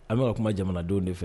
An bɛ ka kuma jamanadenw de fɛ